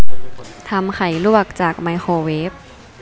ทำไข่ลวกจากไมโครเวฟ